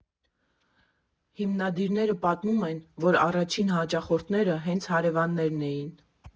Հիմնադիրները պատմում են, որ առաջին հաճախորդները հենց հարևաններն էին։